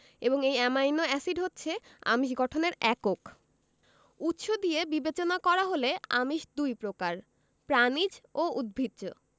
এবং এই amino acid হচ্ছে আমিষ গঠনের একক উৎস দিয়ে বিবেচনা করা হলে আমিষ দুই প্রকার প্রাণিজ ও উদ্ভিজ্জ